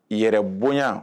Yɛrɛ bonya